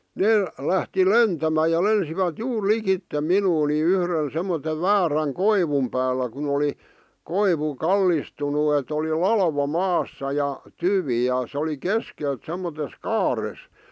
ne lähti lentämään ja lensivät juuri likitse minua niin yhden semmoisen väärän koivun päällä kun oli koivu kallistunut että oli latva maassa ja tyvi ja se oli keskeltä semmoisessa kaaressa